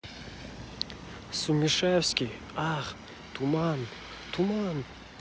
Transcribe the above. сумишевский ах туман туман